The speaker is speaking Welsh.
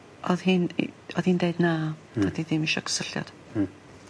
o'dd hi'n i- o'dd hi'n deud na. Hmm. Do'dd 'i ddim isio cysylltiad. Hmm.